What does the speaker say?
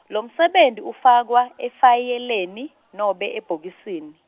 lomsebenti ufakwa, efayeleni, nobe ebhokisini.